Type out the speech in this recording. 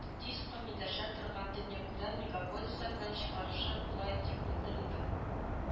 Тиз камилләшә торган дөньякүләм мегаполислар белән чыгарышып була дип белдергән